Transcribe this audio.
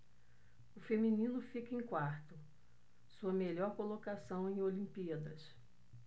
o feminino fica em quarto sua melhor colocação em olimpíadas